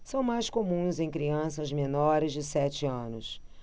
são mais comuns em crianças menores de sete anos